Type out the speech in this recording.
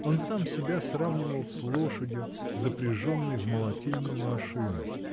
он сам себя сравнивал с лошадью, запряженной в молотильную машину.